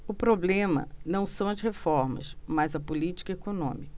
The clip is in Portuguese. o problema não são as reformas mas a política econômica